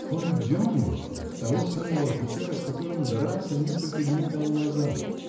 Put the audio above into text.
Фон Донгофа, того самого офицера, с которым дрался несколько дней тому назад!